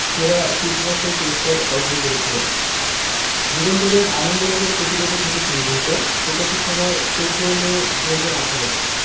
সেরা চিত্রনাট্য পুরস্কার অর্জন করেছিল যুগান্তর এর আনন্দনগর প্রতিবেদক হতে সংগৃহীত প্রকাশের সময় ১৪ মে ২০১৮